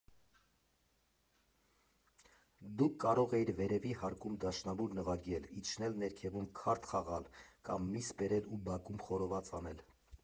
Դու կարող էիր վերևի հարկում դաշնամուր նվագել, իջնել ներքևում քարտ խաղալ, կամ միս բերել ու բակում խորոված անել։